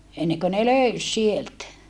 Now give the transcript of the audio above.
ennen kuin ne löysi sieltä